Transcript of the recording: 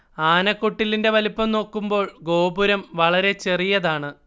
ആനക്കൊട്ടിലിന്റെ വലിപ്പം നോക്കുമ്പോൾ ഗോപുരം വളരെ ചെറിയതാണ്